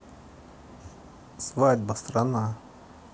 свадьба страна